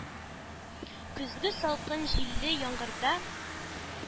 Көзге салкын, җилле яңгырда.